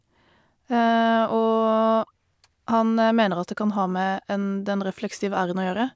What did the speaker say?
Og han mener at det det kan ha med en den refleksive r-en å gjøre.